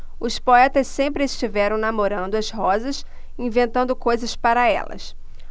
os poetas sempre estiveram namorando as rosas e inventando coisas para elas